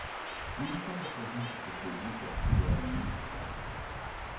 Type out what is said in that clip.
não estava presente porque viu que aquilo era inevitável